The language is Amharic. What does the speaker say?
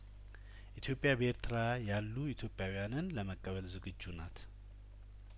ኢትዮጵያ በኤርትራ ያሉ ኢትዮጵያውያንን ለመቀበል ዝግጁናት